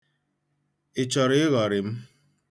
Ị chọrọ ị ghọrị m?